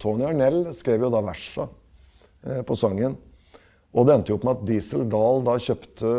Tony Harnell skrev jo da versa på sangen og det endte jo opp med at Diesel Dahl da kjøpte